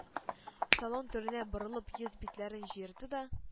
Салон түренә борылып, йөз-битләрен җыерды да: